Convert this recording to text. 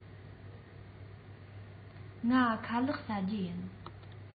ང ཁ ལག བཟའ རྒྱུ ཡིན